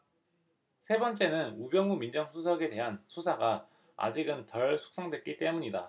세 번째는 우병우 민정수석에 대한 수사가 아직은 덜 숙성됐기 때문이다